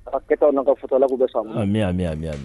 A kɛ ka futala bɛ faama ayan mɛn ayan